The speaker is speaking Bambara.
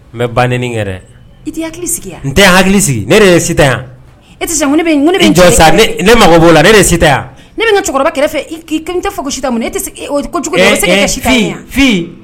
N bɛ ban ni kɛ dɛ i tɛ hakili yan n tɛ hakili ne yan e tɛ ne mako b'o la ne yan ne bɛna cɛkɔrɔba kɛrɛfɛ fɛ k'i n tɛ fo sita